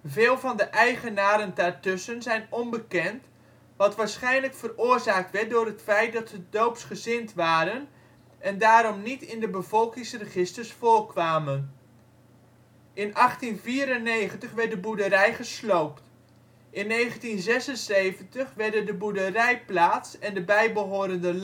Veel van de eigenaren daartussen zijn onbekend, wat waarschijnlijk veroorzaakt werd door het feit dat ze doopsgezind waren en daarom niet in de bevolkingsregisters voorkwamen. In 1894 werd de boerderij gesloopt. In 1976 werden de boerderijplaats en de bijbehorende